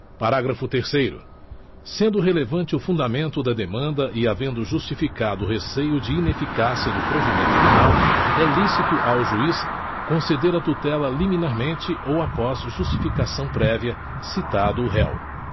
parágrafo terceiro sendo relevante o fundamento da demanda e havendo justificado receio de ineficácia do provimento final é lícito ao juiz conceder a tutela liminarmente ou após justificação prévia citado o réu